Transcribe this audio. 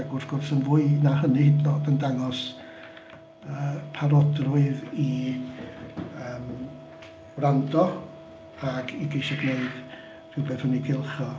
Ac wrth gwrs yn fwy na hynny, bod o'n yn dangos yy parodrwydd i yym wrando, ac i geisio gwneud rhywbeth yn ei gylch o.